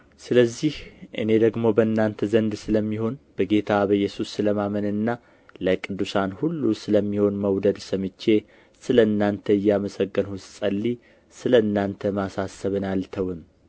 ስለዚህ እኔ ደግሞ በእናንተ ዘንድ ስለሚሆን በጌታ በኢየሱስ ስለ ማመንና ለቅዱሳን ሁሉ ስለሚሆን መውደድ ሰምቼ ስለ እናንተ እያመሰገንሁ ስጸልይ ስለ እናንተ ማሳሰብን አልተውም